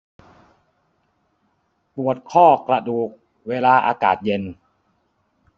ปวดข้อกระดูกเวลาอากาศเย็น